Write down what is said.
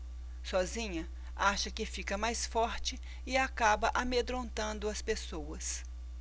sozinha acha que fica mais forte e acaba amedrontando as pessoas